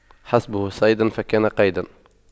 حسبه صيدا فكان قيدا